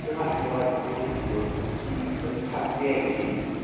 dyma enghraifft o feiciwr sydd yn targedu